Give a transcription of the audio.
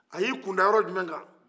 a ye a kunda yɔrɔ jumɛ kan